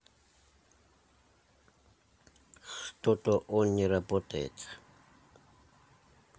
что то он не работает